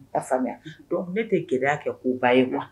Y' faamuya ne tɛ gɛlɛya kɛ ko ba ye wa